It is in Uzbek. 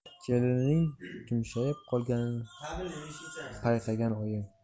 kelinining tumshayib qolganini payqagan oyim